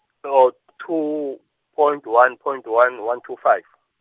two, point one point one one two five.